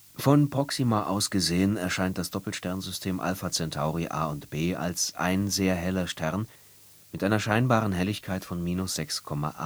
Von Proxima aus gesehen erscheint das Doppelsternsystem Alpha Centauri A und B als ein sehr heller Stern mit einer scheinbaren Helligkeit von −6,80m